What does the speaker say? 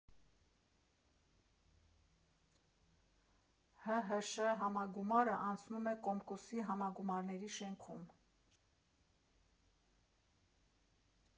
ՀՀՇ համագումարը անցնում է Կոմկուսի համագումարների շենքում։